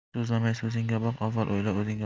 so'zlamay so'zingga boq avval o'yla o'zingga boq